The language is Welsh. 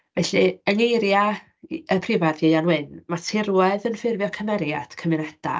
Felly, yng ngeiriau y prifardd Ieuan Wyn, "ma' tirwedd yn ffurfio cymeriad cymunedau",